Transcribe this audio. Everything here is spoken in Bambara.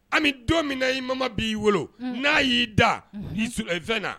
Ami don min na i maman b'i wolo, unhun, n'a y'i da unhun, fɛnkɛ.